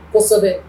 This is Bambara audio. Kosɛbɛ